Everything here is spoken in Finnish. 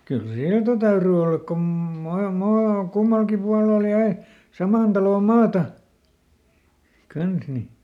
kyllä silta täytyi olla kun - maa kummallakin puolella jäi saman talon maata kanssa niin